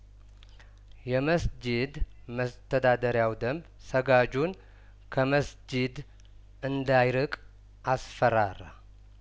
የመስጂድ መስተዳደሪያው ደንብ ሰጋጁን ከመስጂድ እንዳይርቅ አስፈራራ